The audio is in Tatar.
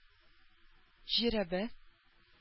Жирәбә